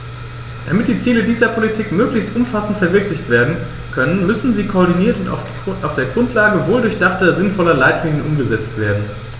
Damit die Ziele dieser Politiken möglichst umfassend verwirklicht werden können, müssen sie koordiniert und auf der Grundlage wohldurchdachter, sinnvoller Leitlinien umgesetzt werden.